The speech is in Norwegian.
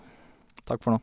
Takk for nå.